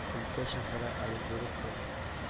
Өлкә шәһәре орынбургтан